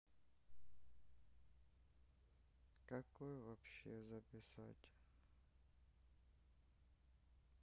какой вообще записать